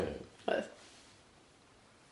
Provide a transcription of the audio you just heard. Oedd.